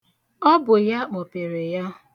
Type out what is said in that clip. Ọ bụ ya kpọkpere ya.